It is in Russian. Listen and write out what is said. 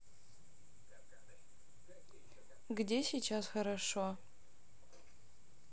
где сейчас хорошо